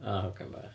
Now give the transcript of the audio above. o hogan bach.